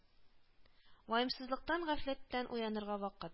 Ваемсызлыктан, гафләттән уянырга вакыт